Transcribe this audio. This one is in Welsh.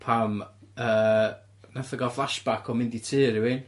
Pam yy nath o gal flashback o mynd i tŷ rywun